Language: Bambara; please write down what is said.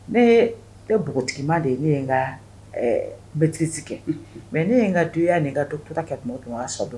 Ne tɛ npogotigima de ye ne n ka beretsi kɛ mɛ ne ye n ka duya nin n ka tota kɛ tun ka so dɔn